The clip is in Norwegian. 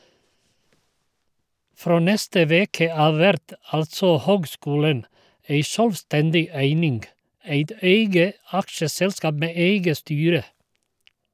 Frå neste veke av vert altså høgskulen ei sjølvstendig eining, eit eige aksjeselskap med eige styre.